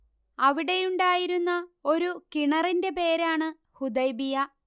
അവിടെയുണ്ടായിരുന്ന ഒരു കിണറിന്റെ പേരാണ് ഹുദൈബിയ